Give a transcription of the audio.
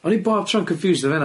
O'n i bob tro'n confused efo hynna.